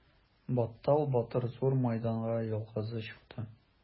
Баттал батыр зур мәйданга ялгызы чыкты.